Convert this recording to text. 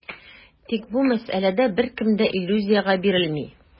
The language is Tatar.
Тик бу мәсьәләдә беркем дә иллюзиягә бирелми.